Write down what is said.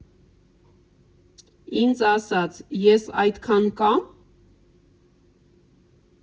Ինձ ասաց՝ «Ես այդքան կա՞մ»։